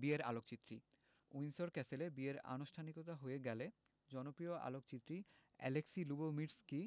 বিয়ের আলোকচিত্রী উইন্ডসর ক্যাসেলে বিয়ের আনুষ্ঠানিকতা হয়ে গেলে জনপ্রিয় আলোকচিত্রী অ্যালেক্সি লুবোমির্সকি